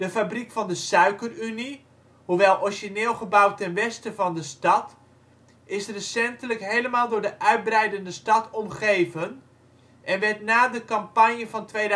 fabriek van de Suiker Unie, hoewel origineel gebouwd ten westen van de stad, is recentelijk helemaal door de uitbreidende stad omgeven en werd na de campagne van 2008/2009